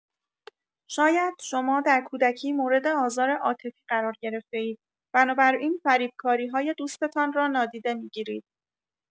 شاید شما در کودکی مورد آزار عاطفی قرار گرفته‌اید، بنابراین فریب کاری‌های دوستتان را نادیده می‌گیرید.